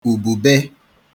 ùbùbe